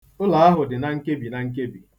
Ụlọ ahụ dị na nkebi na nkebi.